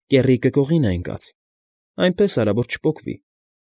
Կեռիկը կողին է ընկած, այնպես արա, որ չպոկվի։